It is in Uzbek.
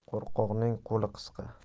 qo'rqoqning qo'li qisqa